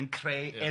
yn creu ia.